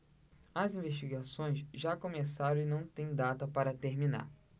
as investigações já começaram e não têm data para terminar